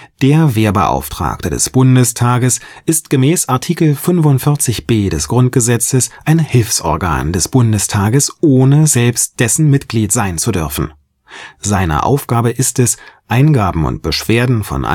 Der Wehrbeauftragte des Bundestages (Art. 45b GG) ist ein Hilfsorgan des Bundestages, ohne selbst dessen Mitglied sein zu dürfen. Seine Aufgabe ist es, Eingaben und Beschwerden von